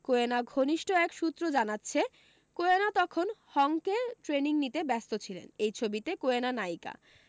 কোয়েনা ঘনিষ্ঠ এক সূত্র জানাচ্ছে কোয়েনা তখন হংকে ট্রেনিং নিতে ব্যস্ত ছিলেন এই ছবিতে কোয়েনা নায়িকা